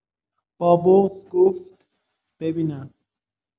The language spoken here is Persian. با بغض گفت: «ببینم!»